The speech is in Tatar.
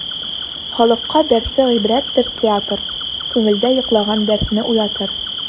Халыкка дәрсе гыйбрәттер театр, күңелдә йоклаган дәртне уятыр.